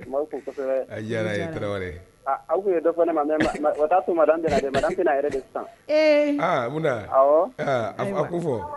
Kosɛbɛ diyara tarawele aaa aw ye dɔ ma wa taa ma d bɛna yɛrɛ de sisan a a ko fɔ